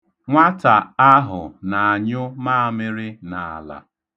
Nwata ahụ na-anyụ maamịrị n'ala.